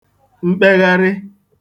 mkpegharị